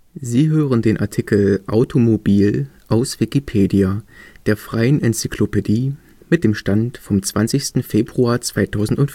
Sie hören den Artikel Automobil, aus Wikipedia, der freien Enzyklopädie. Mit dem Stand vom Der